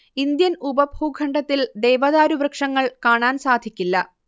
Indian ഉപഭൂഖണ്ഡത്തിൽ ദേവദാരു വൃക്ഷങ്ങൾ കാണാൻ സാധിക്കില്ല